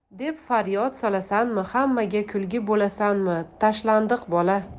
deb faryod solasanmi hammaga kulgi bo'lasanmi tashlandiq bola